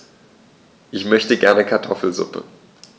Ich möchte gerne Kartoffelsuppe.